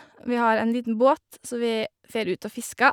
Vi har en liten båt, så vi fer ut og fisker.